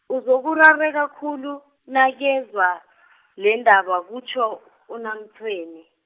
uzokurareka khulu, nakezwa, lendaba kutjho, UNaMtshweni.